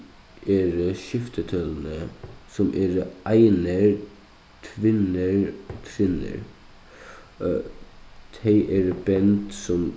eru skiftitølini sum eru einir tvinnir trinnir tey eru bend sum